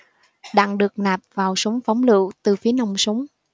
đạn được nạp vào súng phóng lựu từ phía nòng súng